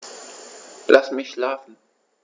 Lass mich schlafen